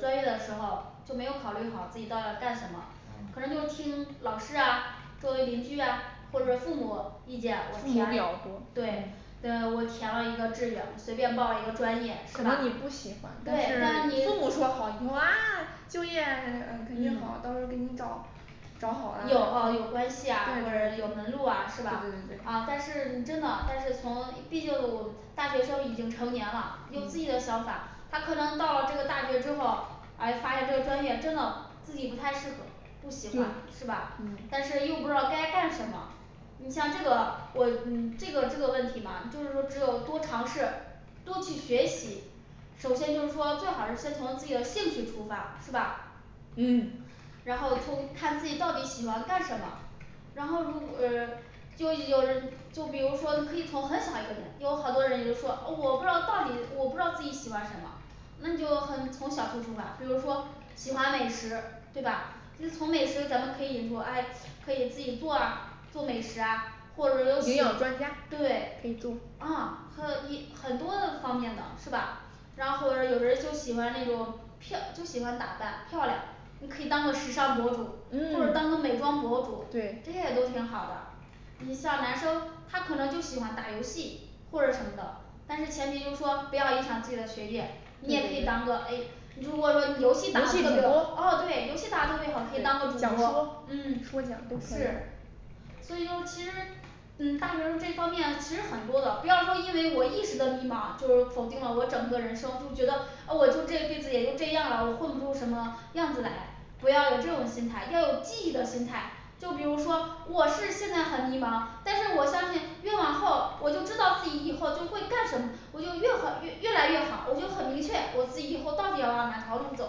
专业的时候就没有考虑好自己到底要干什么可嗯能就听老师啊周围邻居呀或者嗯父母意见父母比较多对嗯我填了一个志愿随便报了一个专业可是吧能你不喜欢但对但你是嗯父母说好你说啊就业肯定好到时候给你找找好了对你对有对老有关系呀或者有门路啊是吧啊但是你真的但是从毕竟 大学生已经成年了有自己的嗯想法他可能到了这个大学之后诶发现这个专业真的自己不太适合不对学啦是吧嗯但是又不知道该干什么你像这个我嗯这个这个问题吧你就是说只有多尝试多去学习首先就是说最好是先从自己的兴趣出发是吧嗯然后就看自己到底喜欢干什么然后如嗯就有人 就比如说可以从很小一个点有好多人就说啊我不知道到底我不知道自己喜欢什么那就嗯从小处说吧比如说喜欢美食对吧嗯从美食的角度可以引出哎可以自己做啊做美食啊或者说营有养专家对可以做啊涉及很多个方面的是吧然后有有人儿就喜欢那种漂就喜欢打扮漂亮你可以当个时尚博主或者当个嗯美妆博 主这对也都挺好的你像男生他可能就喜欢打游戏或者什么的但是前提就是说不要影响自己的学业你对也可对以当对个诶如果说你游游戏戏主播打讲的说特别啊对游戏打的特别好可以当个嗯说讲都可以是所以就是其实嗯大学生这方面其实很多的不要说因为我一时的迷茫就是否定了我整个人生就觉得嗯我就这辈子也就这样儿了我混不出什么样子来不要有这种心态要有积极的心态就比如说我是现在很迷茫但是我相信越往后我就知道自己以后就会干什么我就越好 越越来越好我就很明确我自己以后到底要往哪条路走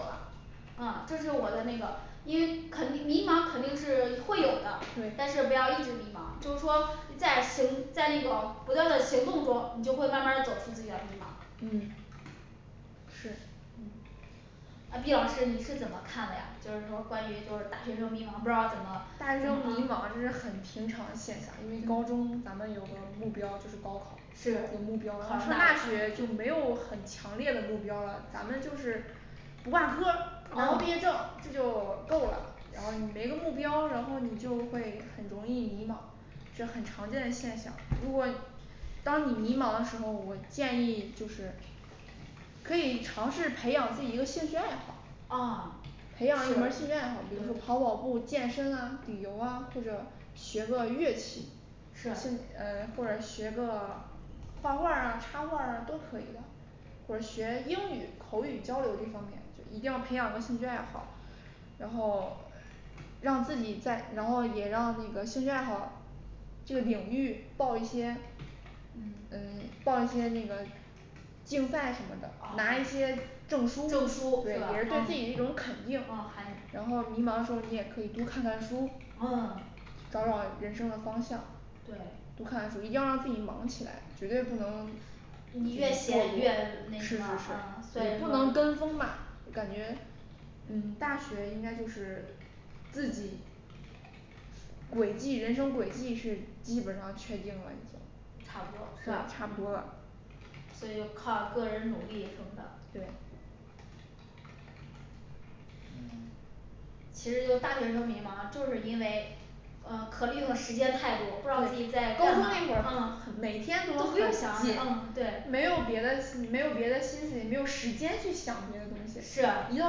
啦啊这是我的那个因为肯定迷茫肯定是会有的对但是不要一直迷茫就是说在行在那个不断的行动中你就会慢慢儿走出自己的迷茫嗯是嗯啊B老师你是怎么看的呀就是说关于就是大学生迷茫不知道怎么大学生迷茫就是很平常的现象因为高中咱们有个目标就是高考有个是目标儿就是考上大学就没有很强烈的目标了咱们就是不挂科儿拿到毕业证这就够了然后没个目标儿然后你就会很容易迷茫这很常见的现象如果当你迷茫的时候我建议就是可以尝试培养自己一个兴趣爱啊好培养一门儿兴趣爱好比如说对跑跑步健身啊旅游啊或者学个乐器是嗯或者学个画画儿啊插画儿啊都可以的或者学英语口语交流这方面就一定要培养个兴趣爱好然后让自己在然后也让那个兴趣爱好这个领域报一些嗯诶报一些那个竞赛什么的拿一啊些证书证书对是吧啊也是对自己一种肯定啊然后迷茫后你也可以多看看书嗯找找人生的方向对多看书一定要让自己忙起来绝对不能你越闲越那是是什么啊是你不能跟风吧感觉嗯大学应该就是自己轨迹人生轨迹是基本上确定了已经差不多是对差不多吧啦这就靠个人努力什么的对嗯其实就是大学生迷茫就是因为呃可用的时间太多不知道自己高中那会儿就在干嘛嗯每天多嗯不对用是这想这些块儿真的了没有别的没有别的心思也没有时间去想这些东西一到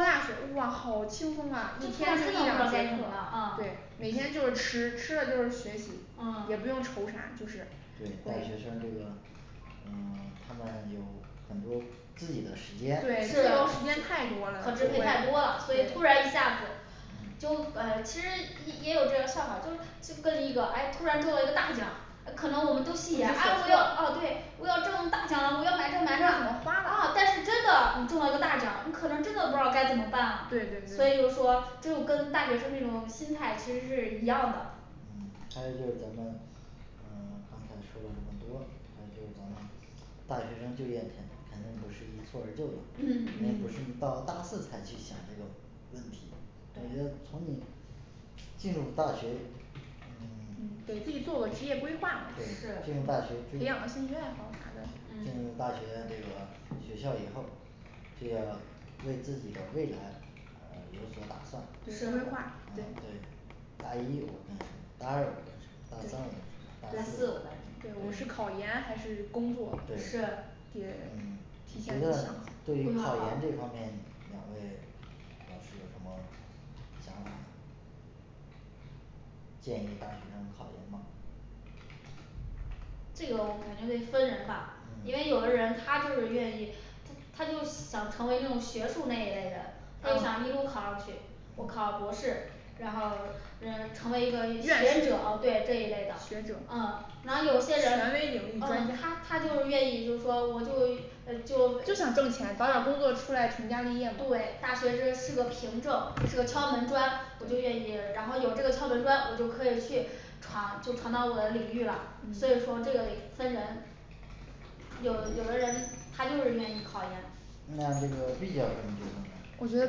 大学哇好轻松啊一天就一两节课啊对每天就是吃吃了就是学习嗯也不用愁啥就是对大学生这个嗯 他们有很多自己的时间嗯对自由时间太多了嗯对这是太多了所以突然一下子就嗯本 其实一 也有这个范嘛就是就跟一个诶突然中了一个大奖可能我们不知所信了啊我要措啊对我要中了大奖了我要买这不买知道怎那么的花啦啊但是真的你中了一个大奖你可能真的不知道该怎么办了对对所以就对是说这就跟大学生那种心态其实是一样的嗯还有就是咱们呃刚才说的这么多还有就是咱们大学生就业肯肯定不是一蹴而就的嗯肯定不嗯是你到了大四才去想这个问题我觉得从你进入大学嗯嗯给对自己进入做个大职业学规划吧是进入大学这培养个兴趣爱好啥的嗯个学校以后就要为自己的未来嗯有所打算对对规是划对大一我干什么大二我干什么大三我干什么大大四四我干对什么我是考研还对是工作是对觉嗯体你觉现的少得对于考研这方面两位老师有什么想法儿建议大学生考研吗这个我肯定得分人吧嗯因为有的人他就是愿意他他就想成为那种学术那一类的他就啊想一路考上去我嗯考博士然后嗯成为一个啊对这一类的学者啊然后有权威领些人嗯他他嗯就是愿意就是说我就一就域对就大学想挣钱早点出来工作成家立业嘛生是个凭证是个敲门砖我就愿对意然后有这个敲门砖我就可以去闯去闯荡我的领域了所以嗯说这个也分人有有的人他就是愿意考研那这个B教授你觉得呢我觉得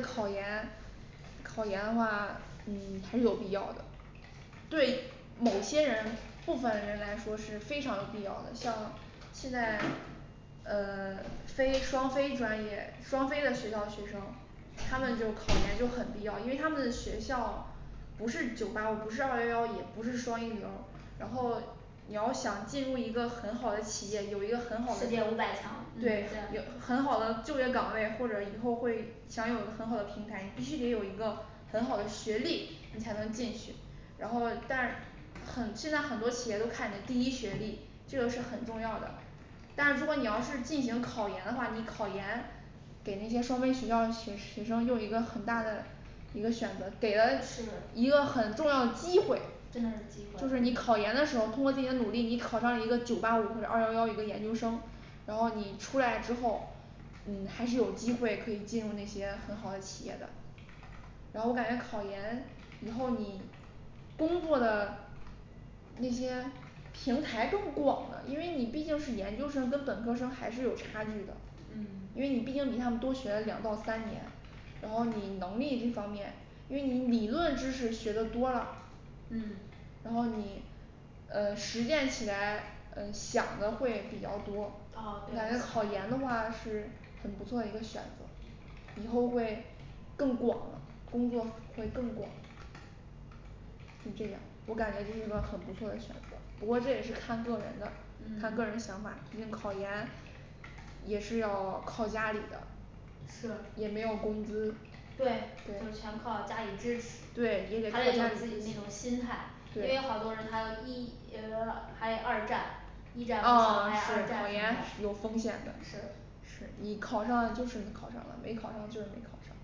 考研考研的话嗯是有必要的对某些人部分人来说是非常必要的像现在呃 非双非专业双非的学校学生他们嗯就考研就很必要因为他们学校不是九八五不是二幺幺也不是双一流儿然后嗯你要想进入一个很好的企业一个很好的世界五百强对是 很好的就业岗位或者以后会享有很好的平台必须得有一个很好的学历你才能嗯进去然后但很现在很多企业都看你第一学历这个是嗯很重要的但是如果你要是进行考研的话你考研给那些双非学校学学生又一个很大的一个选择给了是一个很重要的机会嗯机就是你会考研的时候通过自己的努力你考上一个九八五或者二幺幺一个研究生然后你出来之后你还是有机会可以进入那些很好的企业的然后我感觉考研以后你工作的那些平台更广了因为你毕竟是研究生跟本科生还是有差距的嗯因为你毕竟比他们多学了两到三年然后你能力这方面因为你理论知识学的多啦嗯然后你呃实践起来呃想的会比较多啊对感觉考研的话是很不错一个选择以后会更广了工作会更广就这样我感觉这是个很不错的选择不过这也是看个人的嗯看个人想法毕竟考研也是要靠家里的是也没有工资对对对也就全得靠靠家家里里支支持持对还有就是自己那种心态因为好多人他就一呃还有二战一战完了啊 还有是二考战研有风险的是嗯是你考上了就是你考上了没考上就是没考上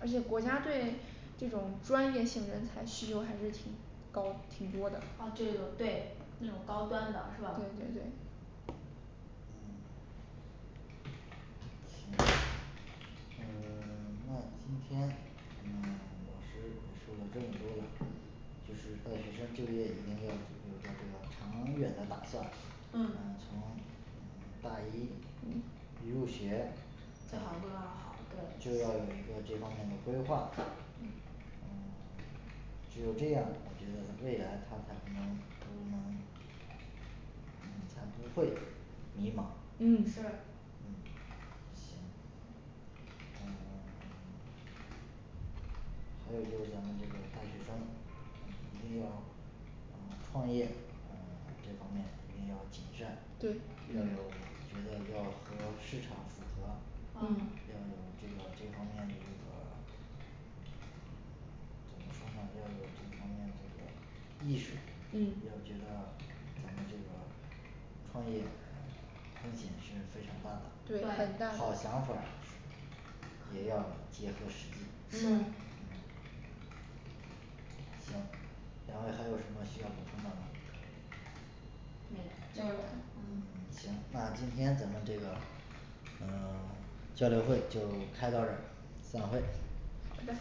而且国家对这种专业性人才需求还是挺高挺多的啊这种对那种高端的是吧对对对嗯 行呃 那今天咱们 老师也说了这么多啦就是大学生就业一定要就这个做这个长远的打算啊嗯从嗯大一一入学较做好规划好嗯对嗯就要有一个这方面的规划呃 只有这样我觉得他未来他才可能不能嗯才不会迷茫嗯嗯行是嗯 还有就是咱们这个大学生嗯一定要呃创业啊这方面一定要谨慎对要有觉得要和市场符合嗯要有这个这方面这个 怎么说呢要有这方面这个意识嗯要觉得咱们这个创业风险是非常大的对对好想法儿也要结合实际嗯是行两位还有什么需要补充的吗没没有了有嗯 行那今天咱们这个呃 交流会就开到这儿散会好的